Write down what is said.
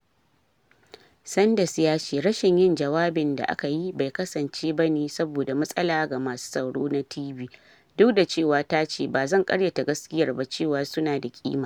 Sanders ya ce, rashin yin jawabin da aka yi bai kasance ba ne saboda matsala ga masu sauraro na TV, "duk da cewa ta ce: "Ba zan karyata gaskiyar ba cewa su na da kima."